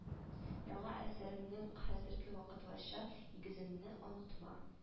Яңа әсәремнең хәзергә вакытлыча нигезеңне онытма